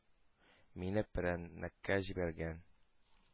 Мине перәннеккә җибәргән.